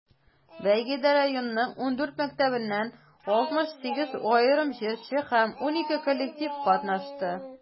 Бәйгедә районның 14 мәктәбеннән 68 аерым җырчы һәм 12 коллектив катнашты.